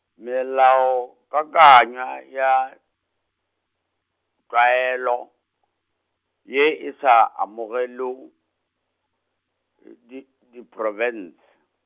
melaokakanywa ya, tlwaelo, ye e sa amoge lo, di diprofense.